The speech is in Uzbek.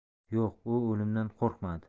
yo'q u o'limdan qo'rqmadi